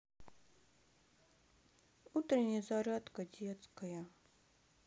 утренняя зарядка детская